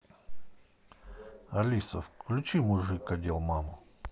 алиса включи мужик одел маму